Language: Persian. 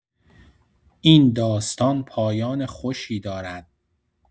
این داستان پایان خوشی دارد.